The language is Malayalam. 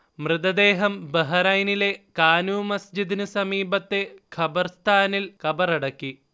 മൃതദേഹം ബഹ്റൈനിലെ കാനൂ മസ്ജിദിനു സമീപത്തെ ഖബർസ്ഥാനിൽ കബറടക്കി